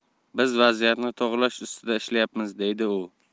biz vaziyatni to'g'rilash ustida ishlayapmiz dedi u